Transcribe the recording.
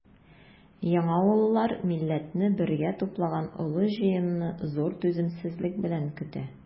Яңавыллар милләтне бергә туплаган олы җыенны зур түземсезлек белән көтә.